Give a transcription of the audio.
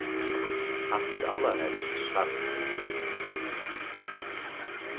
hatta er allarhelst satt